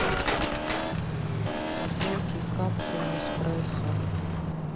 поделки из капсул неспрессо